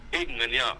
E ŋaniya